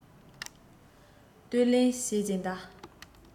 སྟོན ལས བྱེད ཀྱིན གདའ